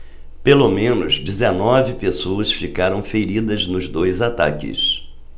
pelo menos dezenove pessoas ficaram feridas nos dois ataques